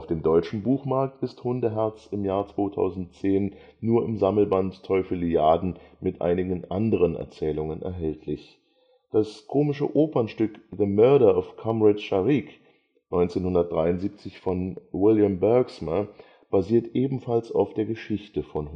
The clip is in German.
deutschen Buchmarkt ist Hundeherz im Jahr 2010 nur im Sammelband Teufeliaden, mit einigen anderen Erzählungen, erhältlich. Das komische Opernstück The Murder of Comrade Sharik (1973) von William Bergsma basiert ebenfalls auf der Geschichte von